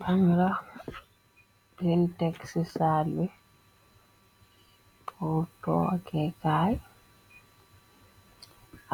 Panra bingh tek cii saal bii, pur tohgeh kaii,